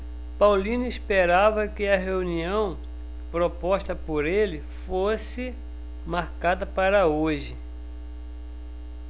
paulino esperava que a reunião proposta por ele fosse marcada para hoje